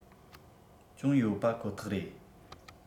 ཅུང ཡོད པ ཁོ ཐག རེད